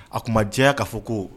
A kun ma dɛya ka fɔ ko